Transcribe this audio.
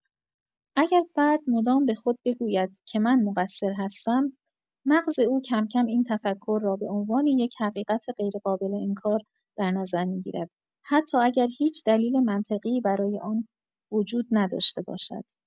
اگر فرد مدام به خود بگوید که “من مقصر هستم”، مغز او کم‌کم این تفکر را به‌عنوان یک حقیقت غیرقابل انکار در نظر می‌گیرد، حتی اگر هیچ دلیل منطقی برای آن وجود نداشته باشد.